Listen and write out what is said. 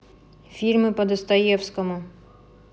фильмы по достоевскому